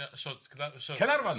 Ie so cyda- so Cynarfon!